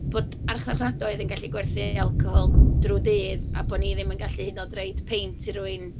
Bod archfarchnadoedd yn gallu gwerthu alcohol drwy dydd, a bo' ni ddim yn gallu hyd yn oed rhoi peint i rywun.